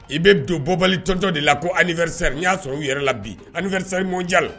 I bɛ don bɔbali de la ko anivɛrisɛri n y'a sɔrɔ u yɛrɛ la bi anivɛrisɛri mɔndiyal.